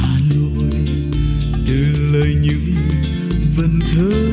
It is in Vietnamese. nội từ lời những vần thơ